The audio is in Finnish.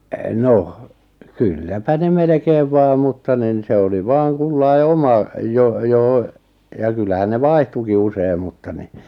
no kylläpä ne melkein vain mutta niin se oli vain kullakin oma - johon ja kyllähän ne vaihtuikin usein mutta niin